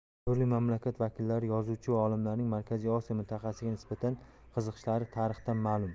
turli mamlakat vakillari yozuvchi va olimlarining markaziy osiyo mintaqasiga nisbatan qiziqishlari tarixdan ma'lum